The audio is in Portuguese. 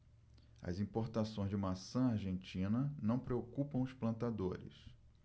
as importações de maçã argentina não preocupam os plantadores